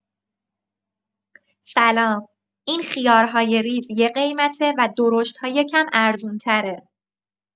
سلام، این خیارهای ریز یه قیمته و درشت‌ها یه کم ارزون‌تره.